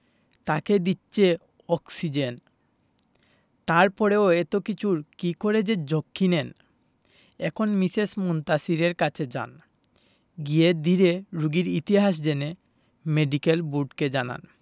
তাকে দিচ্ছে অক্সিজেন তারপরেও এত কিছুর কি করে যে ঝক্কি নেন এখন মিসেস মুনতাসীরের কাছে যান গিয়ে ধীরে রোগীর ইতিহাস জেনে মেডিকেল বোর্ডকে জানান